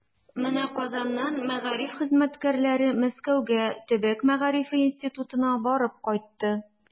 Менә Казаннан мәгариф хезмәткәрләре Мәскәүгә Төбәк мәгарифе институтына барып кайтты.